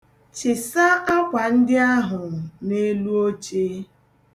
Chịsa akwa ndị ahụ n'elu oche.